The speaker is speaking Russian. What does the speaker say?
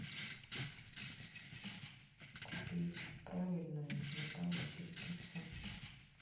купить правильную металлочерепицу